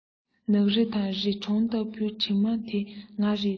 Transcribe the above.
ནགས རི དང རི གྲོང ལྟ བུའི གྲིབ མ དེ ང རེད དམ